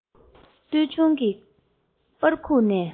སྟོད ཐུང གི པར ཁུག ནས